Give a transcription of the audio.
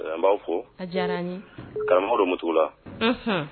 'a fo diyara n karamɔgɔ muugula